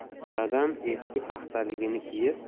dadam eski paxtaligini kiyib